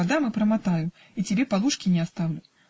продам и промотаю, и тебе полушки не оставлю!